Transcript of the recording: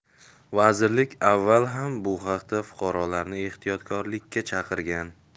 vazirlik avval ham bu haqda fuqarolarni ehtiyotkorlikka chaqirgan